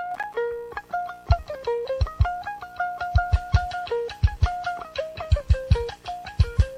Maa